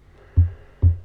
joo